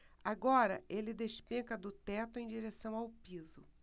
agora ele despenca do teto em direção ao piso